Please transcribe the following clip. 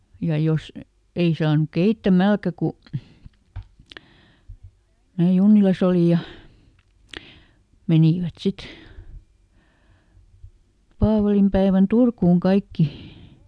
ja jos ei saanut keittämälläkään kun minä Junnilassa olin ja menivät sitten paavalinpäivänä Turkuun kaikki